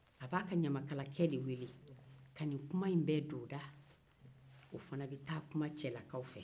a b'a ka ɲamakalakɛ de weele ka ninkuma in bɛɛ don o da o fana bɛ taa kuma cɛlakaw fɛ